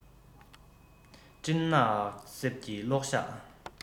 སྤྲིན ནག གསེབ ཀྱི གློག ཞགས